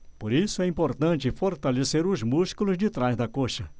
por isso é importante fortalecer os músculos de trás da coxa